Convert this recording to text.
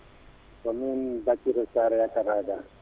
komin Bassirou Sara yakkata